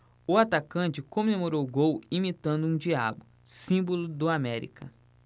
o atacante comemorou o gol imitando um diabo símbolo do américa